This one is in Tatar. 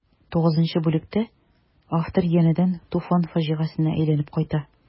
Тугызынчы бүлектә автор янәдән Туфан фаҗигасенә әйләнеп кайта.